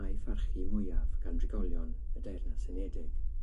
a'i pharchi mwyaf gan drigolion y Deyrnas Unedig.